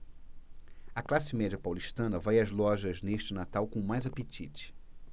a classe média paulistana vai às lojas neste natal com mais apetite